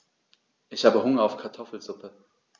Ich habe Hunger auf Kartoffelsuppe.